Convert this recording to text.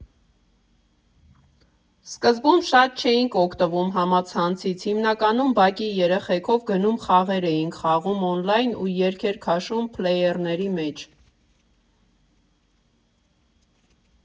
Սկզբում շատ չէինք օգտվում համացանցից, հիմնականում բակի երեխեքով գնում խաղեր էինք խաղում օնլայն ու երգեր քաշում փլեյերների մեջ։